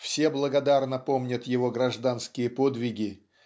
Все благодарно помнят его гражданские подвиги